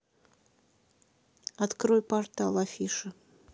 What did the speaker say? открой портал афиша